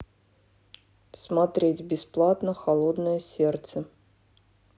смотреть бесплатно холодное сердце